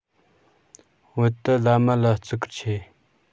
བོད དུ བླ མ ལ བརྩི བཀུར ཆེ